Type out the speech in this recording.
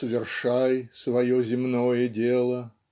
"свершай свое земное дело